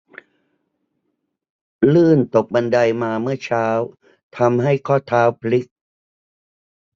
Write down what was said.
ลื่นตกบันไดมาเมื่อเช้าทำให้ข้อเท้าพลิก